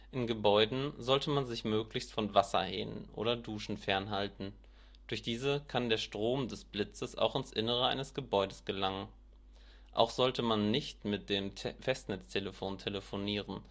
In Gebäuden sollte man sich möglichst von Wasserhähnen oder Duschen fernhalten, durch diese kann der Strom des Blitzes auch ins innere eines Gebäudes gelangen. Auch sollte man nicht mit dem Festnetztelefon telefonieren